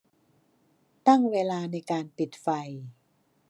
ตั้งเวลาในการปิดไฟ